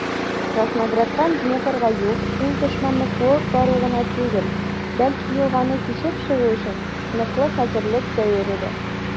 Краснограддан Днепрга юл - ул дошманны куып бару гына түгел, бәлки елганы кичеп чыгу өчен ныклы хәзерлек дәвере дә.